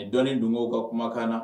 Dɔn dun' ka kumakan na